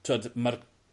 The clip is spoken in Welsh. t'wod ma'r